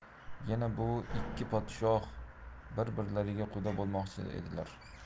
yana bu ikki podsho birbirlariga quda bo'lmoqchi edilar